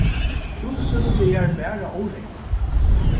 útsøludagar bara órógva